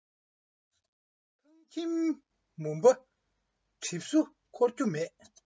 ཁང ཁྱིམ མུན པ གྲིབ སོ འཁོར རྒྱུ མེད